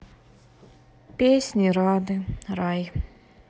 песни рады рай